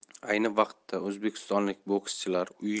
ayni vaqtda o'zbekistonlik bokschilar uishan